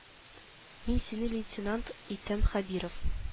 Мин сине лейтенант итәм хәбиров